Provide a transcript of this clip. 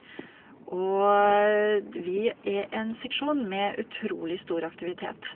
Og d vi er en seksjon med utrolig stor aktivitet.